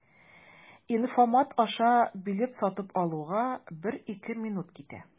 Инфомат аша билет сатып алуга 1-2 минут китә.